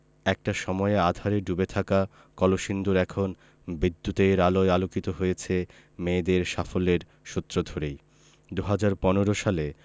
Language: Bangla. একটা সময়ে আঁধারে ডুবে থাকা কলসিন্দুর এখন বিদ্যুতের আলোয় আলোকিত হয়েছে মেয়েদের সাফল্যের সূত্র ধরেই ২০১৫ সালে